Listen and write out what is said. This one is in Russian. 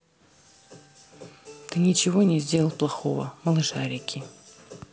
ты ничего не сделал плохого малышарики